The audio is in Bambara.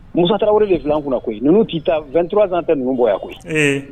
Mu taara de fila kun koyi t'i taatturarasan tɛ ninnu bɔ yan koyi